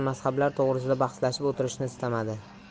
mazhablar to'g'risida bahslashib o'tirishni istamadi